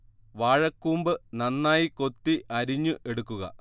വാഴ കൂമ്പ് നന്നായി കൊത്തി അരിഞ്ഞു എടുക്കുക